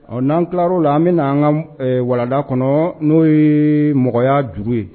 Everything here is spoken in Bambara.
Ɔ n'an tilar'o la an bɛna an ŋa m ɛɛ walanda kɔnɔ n'o yee mɔgɔya juru ye